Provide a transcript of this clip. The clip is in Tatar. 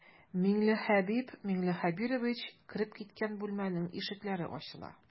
Миңлехәбиб миңлехәбирович кереп киткән бүлмәнең ишекләре ачыла.